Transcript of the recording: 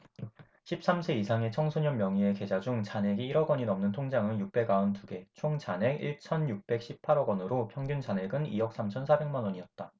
십 삼 세 이상의 청소년 명의의 계좌 중 잔액이 일 억원이 넘는 통장은 육백 아흔 두 개 총 잔액 일 천 육백 십 팔 억원으로 평균 잔액은 이 억 삼 천 사백 만원이었다